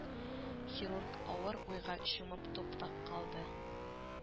Хирург авыр уйга чумып туптак калды